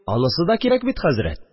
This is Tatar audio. Анысы да кирәк бит, хәзрәт